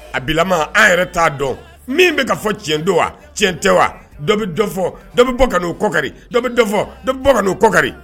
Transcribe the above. A bilama an yɛrɛ t'a dɔn min be ka fɔ cɛn don wa cɛn tɛ wa dɔ be dɔ fɔ dɔ be bɔ kan'o kɔ kari dɔ be dɔ fɔ dɔ be bɔ kan'o kɔ kari